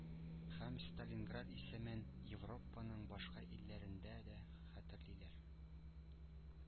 Һәм: “Сталинград исемен Европаның башка илләрендә дә хәтерлиләр”,